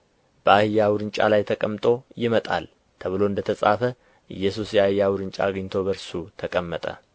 በአህያ ውርንጫ ላይ ተቀምጦ ይመጣል ተብሎ እንደ ተጻፈ ኢየሱስ የአህያ ውርንጫ አግኝቶ በእርሱ ተቀመጠ